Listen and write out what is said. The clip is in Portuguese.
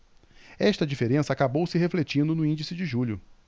esta diferença acabou se refletindo no índice de julho